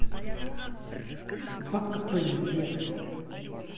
бабка бенни дед